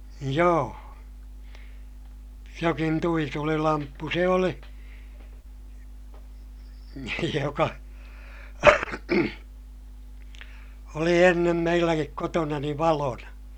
joo jokin tuitulilamppu se oli joka oli ennen meilläkin kotonani valona